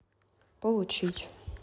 получить